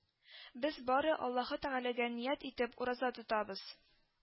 Без бары Аллаһы Тәгаләгә ният итеп, ураза тотабыз